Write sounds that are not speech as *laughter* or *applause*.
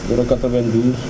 092 *noise*